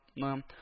Ны